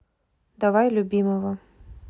давай любимого